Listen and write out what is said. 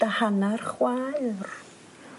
dy hannar chwaer.